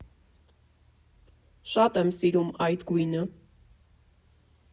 Շատ եմ սիրում այդ գույնը։